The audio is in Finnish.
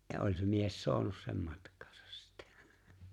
ja oli se mies saanut sen matkaansa sitten